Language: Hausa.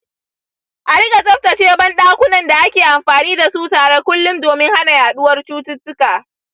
a riƙa tsaftace banɗakunan da ake amfani da su tare kullum domin hana yaɗuwar cututtuka.